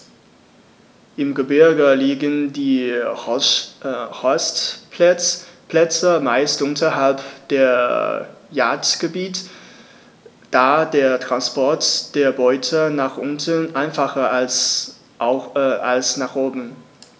Im Gebirge liegen die Horstplätze meist unterhalb der Jagdgebiete, da der Transport der Beute nach unten einfacher ist als nach oben.